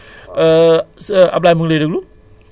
90 79 waaw